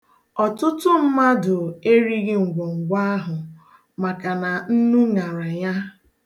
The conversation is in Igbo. Ọtụtụ ndị mmadụ erighị ngwọngwọ ahụ maka na nnu ṅara ya.